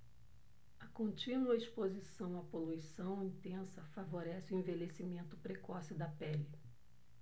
a contínua exposição à poluição intensa favorece o envelhecimento precoce da pele